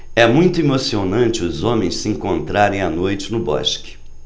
é muito emocionante os homens se encontrarem à noite no bosque